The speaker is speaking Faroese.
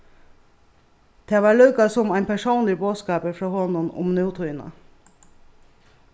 tað var líka sum ein persónligur boðskapur frá honum um nútíðina